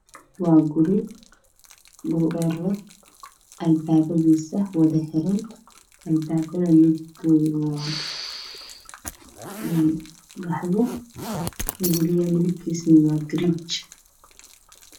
Waa guri dhuldheer leh albabadis xiran wana qaxwi guriga midabkis waa garey